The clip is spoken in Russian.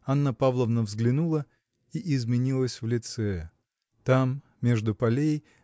Анна Павловна взглянула и изменилась в лице. Там между полей